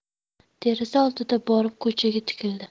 deraza oldiga borib ko'chaga tikildi